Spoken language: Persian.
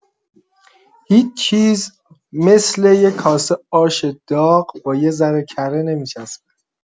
هیچ‌چیز مثل یه کاسه آش داغ با یه‌ذره کره نمی‌چسبه!